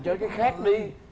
chơi cái khác đi